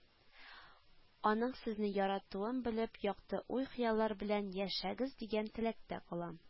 Аның Сезне яратуын белеп, якты уй-хыяллар белән яшәгез, дигән теләктә калам